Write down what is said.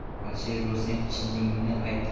alishar bo'lsang chiningni ayt